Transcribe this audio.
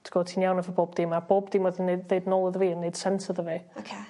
t'gwo' ti'n iawn efo bob dim a bob dim o'dd 'i neud deud nôl iddo fi yn neud sense iddo fi. Oce.